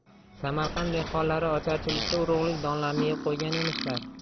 samarqand dehqonlari ocharchilikda urug'lik donlarini yeb qo'ygan emishlar